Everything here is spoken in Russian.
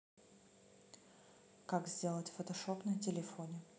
как сделать фотошоп на телефоне